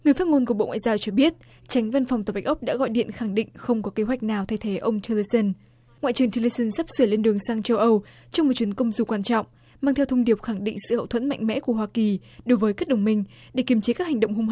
người phát ngôn của bộ ngoại giao cho biết chánh văn phòng tòa bạch ốc đã gọi điện khẳng định không có kế hoạch nào thay thế ông tiu lơ xơn ngoại trưởng tiu lơ xơn sắp sửa lên đường sang châu âu trong một chuyến công du quan trọng mang theo thông điệp khẳng định sự hậu thuẫn mạnh mẽ của hoa kỳ đối với các đồng minh để kiềm chế các hành động hung